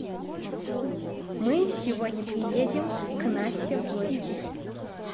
мы сегодня приедем к настя в гости